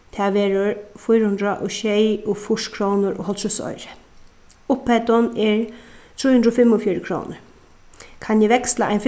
tað verður fýra hundrað og sjeyogfýrs krónur og hálvtrýss oyru upphæddin er trý hundrað og fimmogfjøruti krónur kann eg veksla ein